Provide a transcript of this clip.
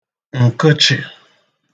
ǹkəchị̀